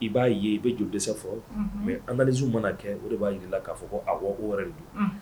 I b'a ye i bɛ jo dɛsɛ fɔ mɛ an nanz mana kɛ o de b'a jira la k'a fɔ ko o wɛrɛ de don